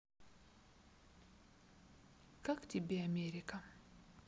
как тебе америка